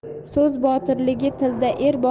so'z botirligi tilda